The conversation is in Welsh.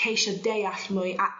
ceisio deall mwy a